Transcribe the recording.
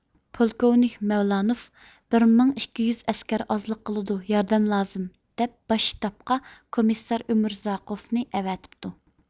پولكوۋنىك مەۋلانوف بىر مىڭ ئىككى يۈز ئەسكەر ئازلىق قىلىدۇ ياردەم لازىم دەپ باش شتابقا كومىسسار ئۆمۈرزاقۇفنى ئەۋەتىپتۇ